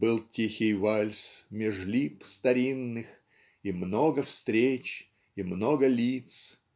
Был тихий вальс меж лип старинных И много встреч и много лиц